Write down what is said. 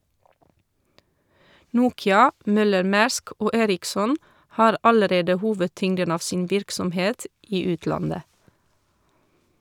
Nokia, Møller-Mærsk og Ericsson har allerede hovedtyngden av sin virksomhet i utlandet.